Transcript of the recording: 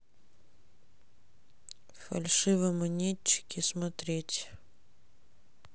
фальшивомонетчики смотреть